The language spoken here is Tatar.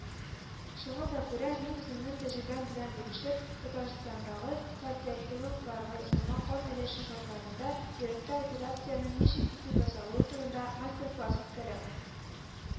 Шуңа да күрә мин үземнең тәҗрибәм белән бүлешеп, Татарстандагы кардиохирургларга ясалма кан әйләнеше шартларында йөрәккә операциянең ничек итеп ясалуы турыңда масстер-класс үткәрәм